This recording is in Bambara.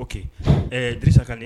Ko disa ka nin